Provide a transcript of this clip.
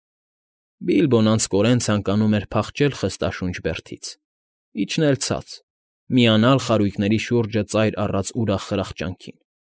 Բիլբոն անձկորեն ցանկանում էր փախչել խստաշունչ բերդից, իջնել ցած, միանալ խարույկների շուրջը ծայր առած ուրախ խրախճանքին։